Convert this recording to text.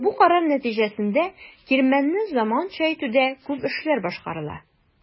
Бу карар нәтиҗәсендә кирмәнне заманча итүдә күп эшләр башкарыла.